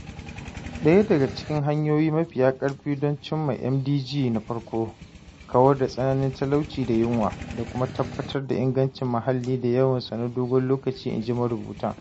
“Ɗaya daga cikin hanyoyi mafiya ƙarfi don cimma MDG na farko - kawar da tsananin talauci da yunwa - da kuma tabbatar da ingancin muhalli da yawansa na dogon lokaci,” in ji marubutan.